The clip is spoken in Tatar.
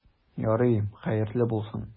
Ярый, хәерле булсын.